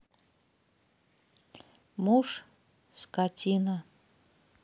муж скотина